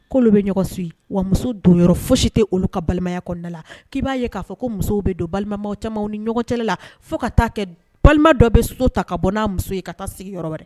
' bɛ ɲɔgɔnso ye wa muso don fo si tɛ olu ka balimaya kɔnɔnada k'i b'a ye k'a fɔ ko musow bɛ don balima caman ni ɲɔgɔncɛ la fo ka taa kɛ balima dɔ bɛ soso ta ka bɔ n'a muso ye ka taa sigi yɔrɔ wɛrɛ